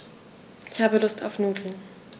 Ich habe Lust auf Nudeln.